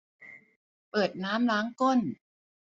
เปิดน้ำล้างก้น